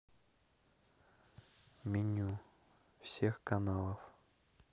меню всех каналов